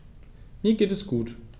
Mir geht es gut.